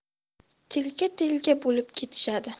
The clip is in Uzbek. tilka tilka bo'lib ketishadi